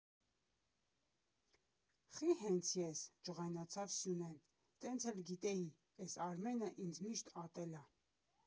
֊ Խի՞ հենց ես, ֊ ջղայնացավ Սյունեն, ֊ տենց էլ գիտեի, էս Արմենը ինձ միշտ ատել ա։